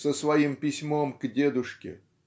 со своим письмом к дедушке